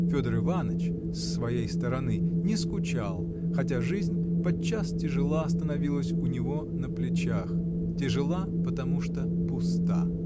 Федор Иваныч, с своей стороны, не скучал, хотя жизнь подчас тяжела становилась у него на плечах, -- тяжела, потому что пуста.